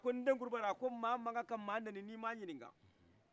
a ko nden kulubali mɔgɔ man ka mɔgɔ neni n' i ma a ɲinika